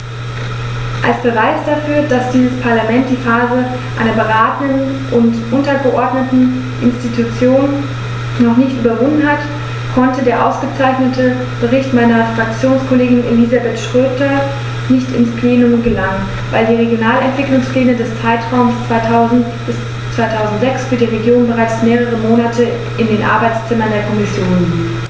Als Beweis dafür, dass dieses Parlament die Phase einer beratenden und untergeordneten Institution noch nicht überwunden hat, konnte der ausgezeichnete Bericht meiner Fraktionskollegin Elisabeth Schroedter nicht ins Plenum gelangen, weil die Regionalentwicklungspläne des Zeitraums 2000-2006 für die Regionen bereits mehrere Monate in den Arbeitszimmern der Kommission liegen.